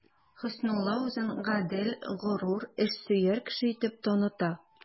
Хөснулла үзен гадел, горур, эшсөяр кеше итеп таныта.